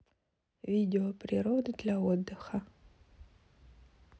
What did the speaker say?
видео природы для отдыха